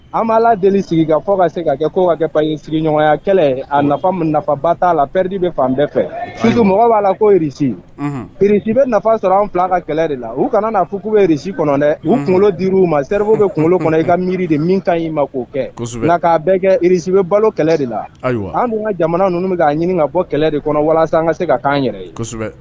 An b'a la deli sigi fɔ ka se ka kɛ sigiɲɔgɔnya kɛlɛ a nafa ba t'a la pɛdi bɛ fan bɛɛ fɛmɔgɔ b'a la koki bɛ nafa sɔrɔ an fila ka kɛlɛ de la u kana fɔ k'u bɛrisi kɔnɔ dɛ u kunkolo dir' u ma seri bɛ kunkolo kɔnɔ i ka miiri de min ta y'i ma k'o kɛ k'a bɛɛ kɛsi bɛ balo kɛlɛ de la an bɛ ka jamana ninnu bɛ k'a ɲini ka bɔ kɛlɛ de kɔnɔ walasa an ka se ka'an yɛrɛ ye